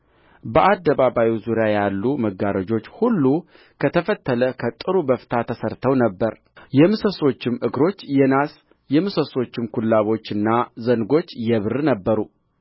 በአደባባዩ ዙሪያ ያሉ መጋረጆች ሁሉ ከተፈተለ ከጥሩ በፍታ ተሠርተው ነበር የምሰሶቹም እግሮች የናስ የምሰሶቹም ኩላቦችና ዘንጎች የብር ነበሩ